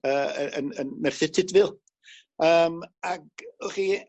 yy yy yn yn Merthyr Tudful yym ag o' chi